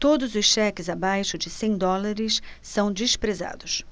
todos os cheques abaixo de cem dólares são desprezados